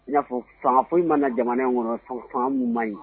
I y'a fɔ fan foyi in mana na jamana in kɔnɔ san fan mun ma ɲi